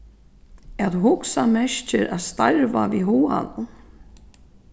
at hugsa merkir at starva við huganum